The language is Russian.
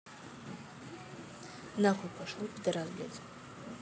нахуй пошел пидарас блядь